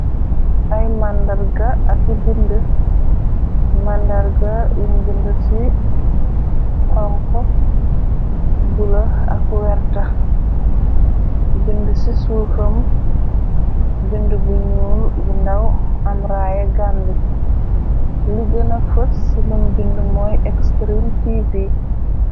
Ay màndarga ak bindi màndarga yun bindi ci xonxu ,bula ak werta bindi ci suufam bindi bu ñuul bu ndaw am raaya Gambi li gëna fas si lim bindi moy extreme tv.